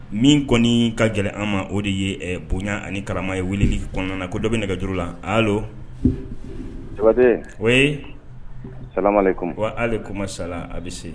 Min kɔni ka gɛlɛn an ma o de ye bonya ani karama ye wele kɔnɔna na ko dɔ bɛ nɛgɛ juru la allô Jabate oui salaamu aleyikomu wa aleyikomu salaamu